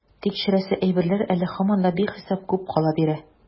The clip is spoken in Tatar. Тикшерәсе әйберләр әле һаман да бихисап күп кала бирә.